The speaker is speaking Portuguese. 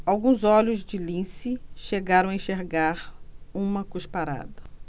alguns olhos de lince chegaram a enxergar uma cusparada